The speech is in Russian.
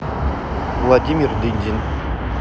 владимир дылдин